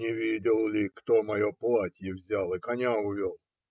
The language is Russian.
- Не видел ли, кто мое платье взял и коня увел?